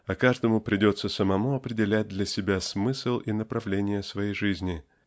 а каждому придется самому определять для себя смысл и направление своей жизни